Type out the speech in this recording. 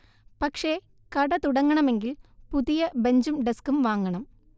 പക്ഷെ കട തുടങ്ങണമെങ്കിൽ പുതിയ ബഞ്ചും ഡസ്ക്കും വാങ്ങണം